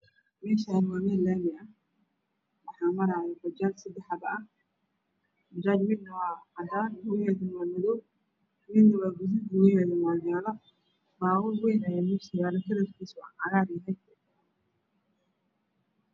Meshani waa mel lami ah waxa maro bajaaj sedxa xabo midna waa cadan midan waa madow midan waa gaduud midna waa jale babuur aya mesh yalo kalarkisan waa cagar